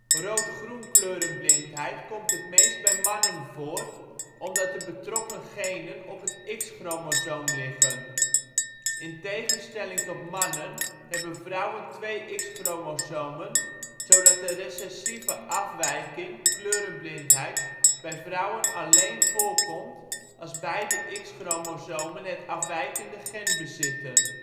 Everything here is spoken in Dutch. Rood-groen kleurenblindheid komt het meest bij mannen voor, omdat de betrokken genen op het X-chromosoom liggen. In tegenstelling tot mannen, hebben vrouwen twee X-chromosomen, zodat de recessieve afwijking kleurenblindheid bij vrouwen alléén voorkomt als beide X-chromosomen het afwijkende gen bezitten